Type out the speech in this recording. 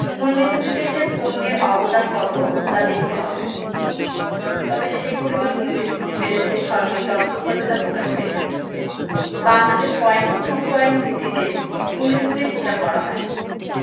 মূল্যস্ফীতিতে এসব পণ্যের অবদান কত তা দেখতে হবে তবে সেই পরিমাণ মূল্যস্ফীতি বেড়েছে সরকারি তথ্য উপাত্তে তা প্রকাশ পেয়েছে বাংলাদেশে পয়েন্ট টু পয়েন্ট ভিত্তিতে মূল্যস্ফীতির হিসাব করা হয়